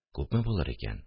Күпме булыр икән